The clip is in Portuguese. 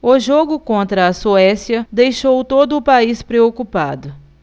o jogo contra a suécia deixou todo o país preocupado